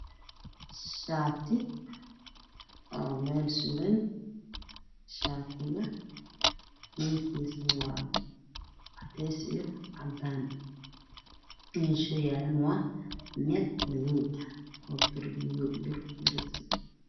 Waa shaati oo meel suran midabkiisu waa cadaan iyo cadeys, meesha uu yaalana waa madow, oo bir wareegsan ah.